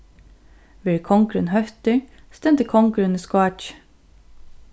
verður kongurin hóttur stendur kongurin í skáki